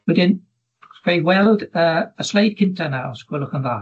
Wedyn os gai weld yy y sleid cynta 'na os gwelwch yn dda ...